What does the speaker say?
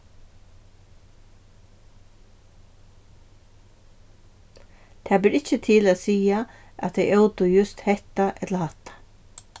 tað ber ikki til at siga at tey ótu júst hetta ella hatta